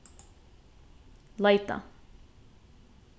leita